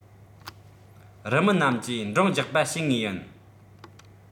རུ མི རྣམས ཀྱིས འགྲངས རྒྱག པ བྱེད ངེས ཡིན